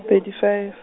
thirty five.